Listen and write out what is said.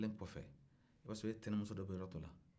o y'a sɔrɔ e tɛnɛmuso dɔ bɛ yɔrɔ dɔ la